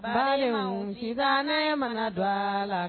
Paul ne ma da la